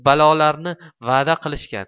bir balolarni va'da qilishgan